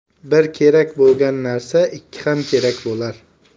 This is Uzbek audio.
bir kerak bo'lgan narsa ikki ham kerak bo'lar